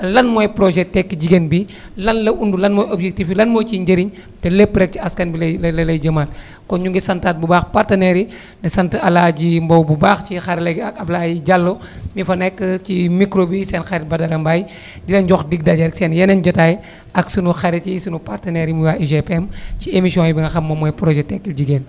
lan mooy projet tekki jigéen bi lan la undu lan mooy objectif bi lan mooy ciy njëriñ te lépp rek ci askan bi lay lay lay jëmaat kon énu ngi santaat bu bax partenaires yi di sant alaaji Mbow bu baax ci xarala gi ak Ablaye Diallo éni fa nekk ci micr bi seen xarit Badara Mbaye di leen jox dig daje ak seen yeneen jotaay ak sunu xarit yi sunu partenaires waa UGPM ci émission yi nga xam moom mooy projet teekki jigéen